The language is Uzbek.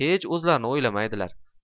hech o'zlarini o'ylamaydilar